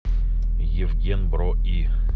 евген бро и